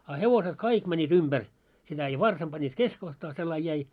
a hevoset kaikki menivät ympäri sitä ja varsan panivat keskikohtaan sellainen jäi